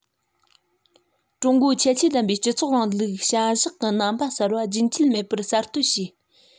ཀྲུང གོའི ཁྱད ཆོས ལྡན པའི སྤྱི ཚིགས རིང ལུགས བྱ གཞག གི རྣམ པ གསར པ རྒྱུན ཆད མེད པར གསར གཏོད བྱས